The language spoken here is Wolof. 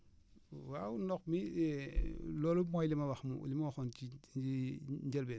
waaw ndox mi loolu mooy li ma wax ni li ma waxoon ci ci njëlbeen